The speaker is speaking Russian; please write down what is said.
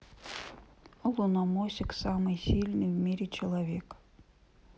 луномосик самый сильный в мире человек